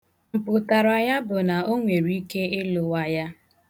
Mpụtara ya bụ na ọ nwere ike ịlụwa ya.